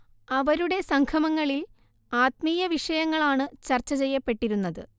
അവരുടെ സംഗമങ്ങളിൽ ആത്മീയവിഷയങ്ങളാണ് ചർച്ചചെയ്യപ്പെട്ടിരുന്നത്